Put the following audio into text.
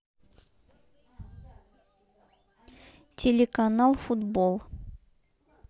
телеканал футбол